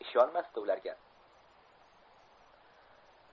ishonmasdi ularga